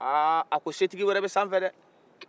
ahh a ko se tigi wɛrɛ bɛ sanfɛ dɛ